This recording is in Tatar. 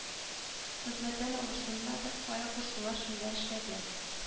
Хезмәттән авырсынмады кая кушсалар шунда эшләде